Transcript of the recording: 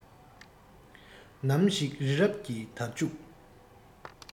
ནམ ཞིག རི རབ ཀྱི འདར ལྕུག